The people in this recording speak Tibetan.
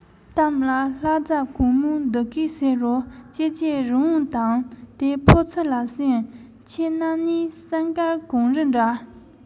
གཏམ ལ ལྷ བྱ གོང མོས འདི སྐད ཟེར རོ ཀྱེ ཀྱེ རི བོང དང དེ ཕོ ཚུར ལ གསོན ཁྱེད རྣམས གཉིས བསམ དཀར གངས རི འདྲ